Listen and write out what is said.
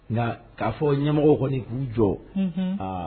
Nka k'a fɔ ɲamɔgɔ kɔni k'u jɔ aa